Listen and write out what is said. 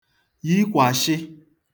yikwàshị